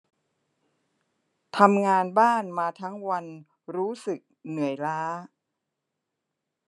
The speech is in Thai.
ทำงานบ้านมาทั้งวันรู้สึกเหนื่อยล้า